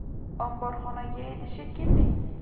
omborxonaga edi shekilli